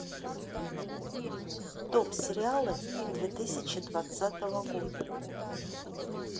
топ сериалы две тысячи двадцатого года